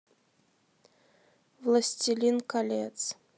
властелин колец